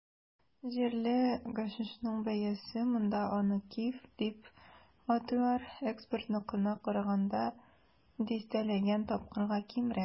Җирле гашишның бәясе - монда аны "киф" дип атыйлар - экспортныкына караганда дистәләгән тапкырга кимрәк.